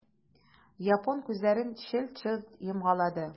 Япон күзләрен челт-челт йомгалады.